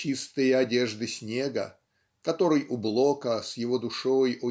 Чистые одежды снега (который у Блока с его душой